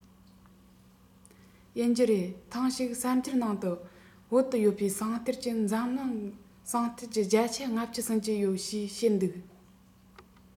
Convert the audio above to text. ཡིན གྱི རེད ཐེངས ཤིག གསར འགྱུར ནང དུ བོད དུ ཡོད པའི ཟངས གཏེར གྱིས འཛམ གླིང ཟངས གཏེར གྱི བརྒྱ ཆ ལྔ བཅུ ཟིན གྱི ཡོད ཞེས བཤད འདུག